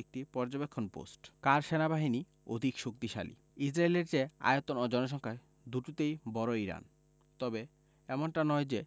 একটি পর্যবেক্ষণ পোস্ট কার সেনাবাহিনী অধিক শক্তিশালী ইসরায়েলের চেয়ে আয়তন ও জনসংখ্যা দুটোতেই বড় ইরান তবে এমনটা নয় যে